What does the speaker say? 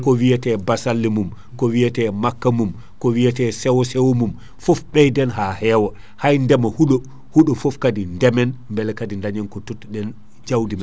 ko wiyate bassalle mum ,ko wiyate makka mum ko wiyate sewo sewo mum foof ɓeyden ha heewa hay ndema huuɗo huuɗo foof kadi ndeemen beele kaadi dañen ko tottuɗen jawdi men